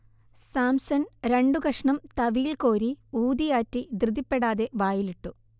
സാംസൺ രണ്ടു കഷണം തവിയിൽ കോരി ഊതിയാറ്റി ധൃതിപ്പെടാതെ വായിലിട്ടു